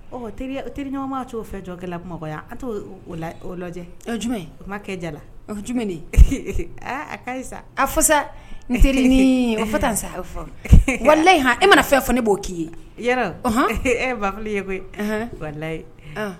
Ɔ teriɲɔgɔnma' o fɛn jɔ kɛ la kuma yan an t'o lajɛ jumɛn o ma kɛ ja la a a sa teri ni sa wa h e mana fɛn fɔ ne b'o k'i ye yɛrɛ ee efili ye koyi wala ye